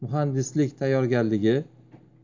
muhandislik tayyorgarligi